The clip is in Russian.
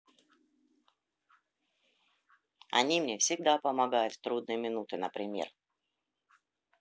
они мне всегда помогают в трудные минуты например